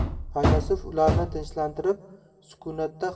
faylasuf ularni tinchlantirib sukunatda